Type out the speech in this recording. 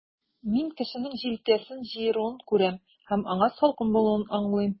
Мин кешенең җилкәсен җыеруын күрәм, һәм аңа салкын булуын аңлыйм.